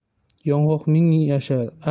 yong'oq ming yashar